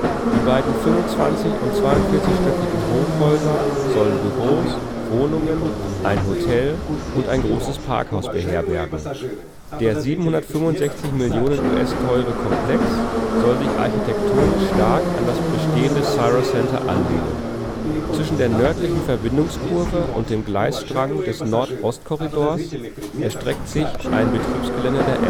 Die beiden 25 - und 42-stöckigen Hochhäuser sollen Büros, Wohnungen, ein Hotel und ein großes Parkhaus beherbergen. Der 765 Millionen US-Dollar teure Komplex soll sich architektonisch stark an das bestehende Cira Centre anlehnen. Das ehemalige Bahnkraftwerk der Pennsylvania Railroad Zwischen der nördlichen Verbindungskurve und dem Gleisstrang des Nord-Ost-Korridors erstreckt sich ein Betriebsgelände der